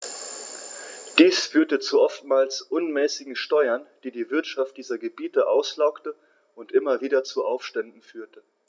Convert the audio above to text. Dies führte zu oftmals unmäßigen Steuern, die die Wirtschaft dieser Gebiete auslaugte und immer wieder zu Aufständen führte.